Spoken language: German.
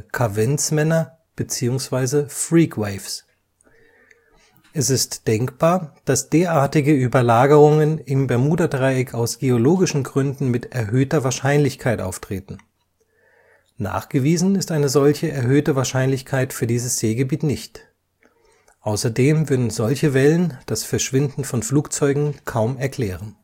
Kaventsmänner bzw. Freakwaves) auftreten können. Es ist denkbar, dass derartige Überlagerungen im Bermudadreieck aus geologischen Gründen mit erhöhter Wahrscheinlichkeit auftreten. Nachgewiesen ist eine solche erhöhte Wahrscheinlichkeit für dieses Seegebiet nicht. Außerdem würden solche Wellen das Verschwinden von Flugzeugen kaum erklären